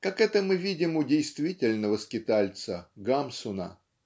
как это мы видим у действительного скитальца Гамсуна